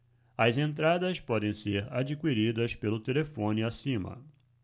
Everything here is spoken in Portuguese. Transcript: as entradas podem ser adquiridas pelo telefone acima